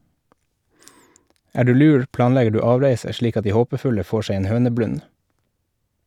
Er du lur, planlegger du avreise slik at de håpefulle får seg en høneblund.